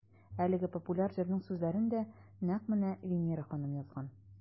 Әлеге популяр җырның сүзләрен дә нәкъ менә Винера ханым язган.